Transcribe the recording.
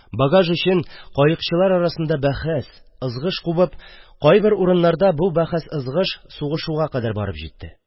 Багаж өчен каекчылар арасында бәхәс, ызгыш кубып, кайбер урыннарда бу бәхәс-ызгыш сугышуга кадәр барып җитте.